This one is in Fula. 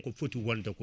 ko foti wonde ko